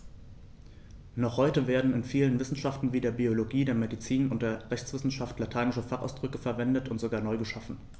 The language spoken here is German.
Noch heute werden in vielen Wissenschaften wie der Biologie, der Medizin und der Rechtswissenschaft lateinische Fachausdrücke verwendet und sogar neu geschaffen.